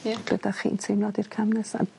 Ie. ...be 'dach chi'n teimlo 'di'r cam nesa.